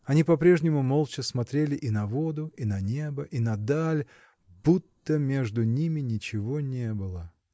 Они по-прежнему молча смотрели и на воду и на небо и на даль будто между ними ничего не было.